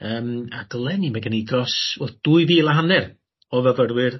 Yym a dyle ni ma' gen ni dros wy- dwy fil a haner o fyfyrwyr